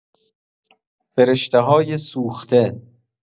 فرشته‌های سوخته